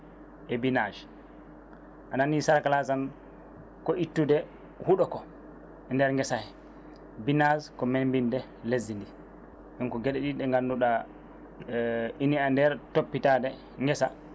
e binage a nani cerclage tan ko ittude huɗo ko e nder geesa hee binage ko membinde leydi ndi ɗum ko geeɗe ɗiɗi ɗe gannduɗa ina e nder toppitade geesa